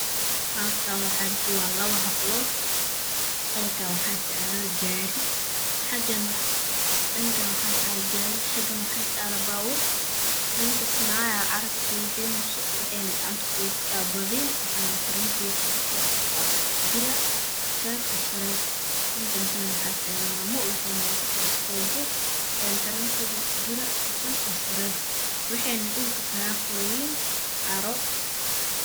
Halkan waxaa jogaan laba hablood dhankan waxaa kayaalo gaari xagana waxaa ka yaalo baabuur dhankas nagaa carro kasoo waxaynayso waxayna gacnta ku hahaysataa badeel waxayna waxayna xirantahay dirac xijaab iyo indhashareer dhankaan kalana waxaa tagan maamo waxay haysataa iskoobe waxay xirantahay dirac xijaab iyo indho shareer waxayna dhulka kaxaaqoyiin carro